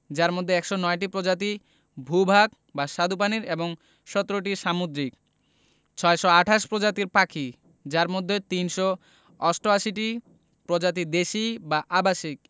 যার মধ্যে ১০৯টি প্রজাতি ভূ ভাগ বা স্বাদুপানির এবং ১৭টি সামুদ্রিক ৬২৮ প্রজাতির পাখি যার মধ্যে ৩৮৮টি প্রজাতি দেশী বা আবাসিক